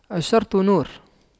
الشرط نور